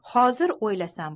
hozir o'ylasam